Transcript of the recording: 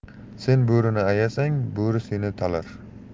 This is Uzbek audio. sen bo'rini ayasang bo'ri ceni talar